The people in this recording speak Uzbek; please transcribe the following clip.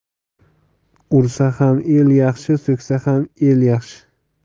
ursa ham el yaxshi so'ksa ham el yaxshi